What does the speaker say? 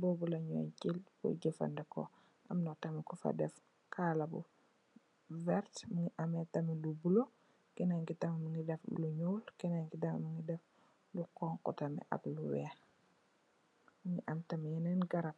boobu la ñuy jël jafendeko, am na tam ku fa def kaala bu werta,m ngi am tam lu bulo, kenen ki tam mu ngi def lu ñuul, kenen ki tam mu ngi def lu xonxu ak lu weex. Mu ngi am tam yenen garab.